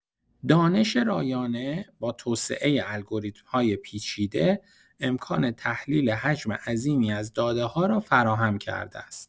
دانش رایانه، با توسعه الگوریتم‌های پیچیده، امکان تحلیل حجم عظیمی از داده‌ها را فراهم کرده است.